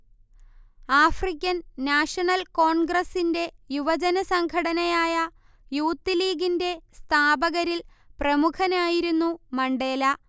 African national കോൺഗ്രസ്സിന്റെ യുവജനസംഘടനയായ youth ലീഗിന്റെ സ്ഥാപകരിൽ പ്രമുഖനായിരുന്നു മണ്ടേല